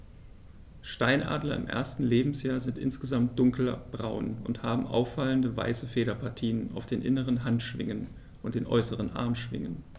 Steinadler im ersten Lebensjahr sind insgesamt dunkler braun und haben auffallende, weiße Federpartien auf den inneren Handschwingen und den äußeren Armschwingen.